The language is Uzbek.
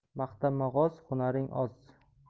maqtanma g'oz hunaring oz